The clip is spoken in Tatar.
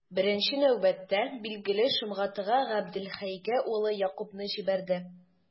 Беренче нәүбәттә, билгеле, Шомгатыга, Габделхәйгә улы Якубны җибәрде.